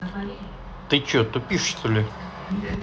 ты че тупишь что ли